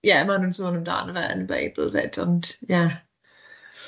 ie ma nhw'n sôn amdan o fe yn y Beibl fyd ond ie,